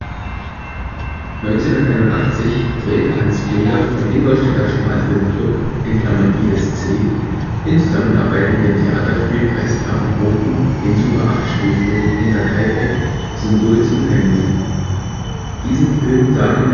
1981 drehte Hans Fegert vom Ingolstädter Schmalfilm Club (ISC) in Zusammenarbeit mit dem Theaterspielkreis Pfaffenhofen den Super-8-Spielfilm Hinterkaifeck – Symbol des Unheimlichen. Diesen Film sahen in